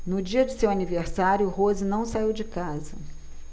no dia de seu aniversário rose não saiu de casa